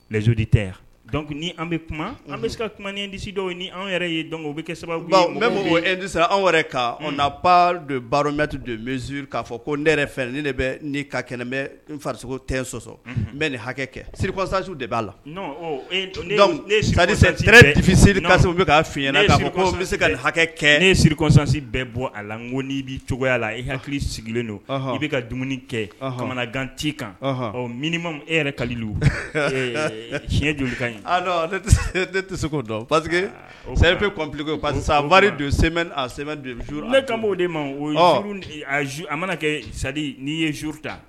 Zodi tɛ yan dɔn ni an bɛ kuma an bɛ se ka kumadisi dɔw ni an yɛrɛ ye dɔn o bɛ kɛ sababu yɛrɛ ka na donti don bɛ z kaa fɔ ko ne yɛrɛ fɛ ne de bɛ ka bɛ fariso tɛ sɔsɔ n bɛ hakɛ kɛ sirisansu de b'a la u bɛ' fiɲɛna bɛ se ka hakɛ kɛ ne siri kɔsansi bɛ bɔ a la ko n ni bɛ cogoyaya la i hakili sigilen don i bɛ ka dumuni kɛ hamana ganti kan e yɛrɛ kalilu tiɲɛ jolikan ye ne tɛ se k'o dɔn parce sɛfe cop sabari don sɛ sɛ nebaw de ma o a mana kɛ sadi ni ye zuru ta